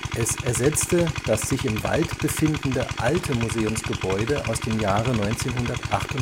Es ersetzte das sich im Wald befindende alte Museumsgebäude aus dem Jahre 1938